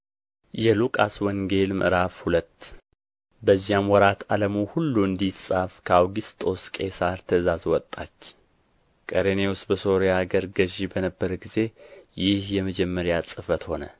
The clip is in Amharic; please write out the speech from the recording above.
የሉቃስ ወንጌል ምዕራፍ ሁለት በዚያም ወራት ዓለሙ ሁሉ እንዲጻፍ ከአውግስጦስ ቄሣር ትእዛዝ ወጣች ቄሬኔዎስ በሶርያ አገር ገዥ በነበረ ጊዜ ይህ የመጀመሪያ ጽሕፈት ሆነ